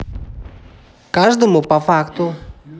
каждому по факту